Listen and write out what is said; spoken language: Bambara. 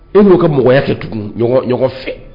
E n'u ka mɔgɔya fɛ tugu ɲɔgɔn fɛ